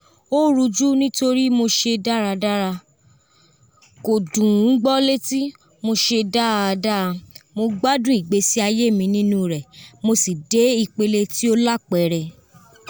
O ruju nitori mo ṣe daradara, Kò dùn ùn gbọ́ létí, Mo ṣe dáadáa, mó gbádùn ìgbésí ayé mi nínú rẹ̀, mo si de ipele ti o lapẹrẹ.